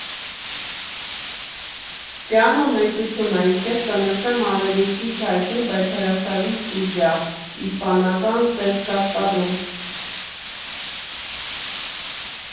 Պիանոն մեծություն ա, իսկ ես կնշեմ ավելի քիչ հայտնի, բայց հրաշալի ստուդիա՝ իսպանական Սելգասկադոն։